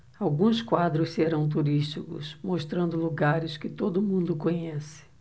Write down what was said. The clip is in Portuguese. alguns quadros serão turísticos mostrando lugares que todo mundo conhece